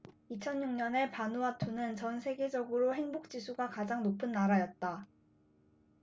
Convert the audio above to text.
이천 육 년에 바누아투는 전 세계적으로 행복 지수가 가장 높은 나라였다